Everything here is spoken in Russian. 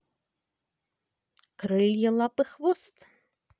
крылья лапы хвост